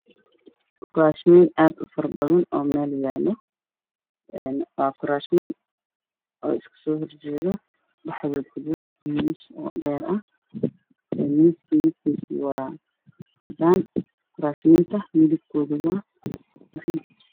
Waa hool waxaa yaalo kuraas iyo miisas iska soo horjeedo kuraaska waa buluug iyo cadaan miisaska waa cadays